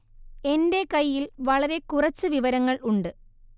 എന്റെ കയ്യിൽ വളരെ കുറച്ച് വിവരങ്ങൾ ഉണ്ട്